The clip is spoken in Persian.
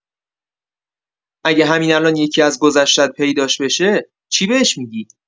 اگه همین الان یکی‌از گذشته‌ات پیداش بشه، چی بهش می‌گی؟